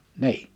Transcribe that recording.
niin